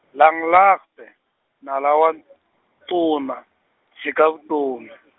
Langlaagte, nala wa ntuna, tshika vutomi.